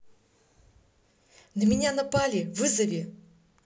на меня напали вызови